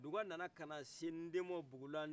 duga nana ka na se nden ma bugula